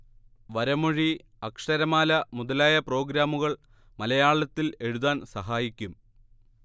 വരമൊഴി അക്ഷരമാല മുതലായ പ്രോഗ്രാമുകൾ മലയാളത്തിൽ എഴുതാൻ സഹായിക്കും